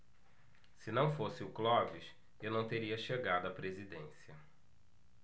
se não fosse o clóvis eu não teria chegado à presidência